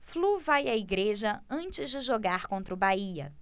flu vai à igreja antes de jogar contra o bahia